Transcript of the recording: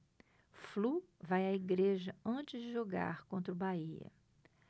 flu vai à igreja antes de jogar contra o bahia